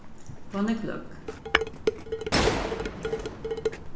hon er gløgg